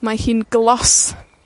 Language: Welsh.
Mae hi'n glos.